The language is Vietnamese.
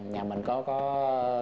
nhà mình có có